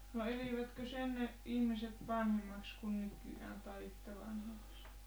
no elivätkös ennen ihmiset vanhemmaksi kuin nykyään tai yhtä vanhoiksi